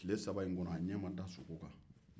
tile saba in kɔnɔ a ɲɛ ma da sogo kan janko ka marifa ci sogo la